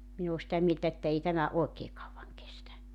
minä olen sitä mieltä että ei tämä oikein kauan kestä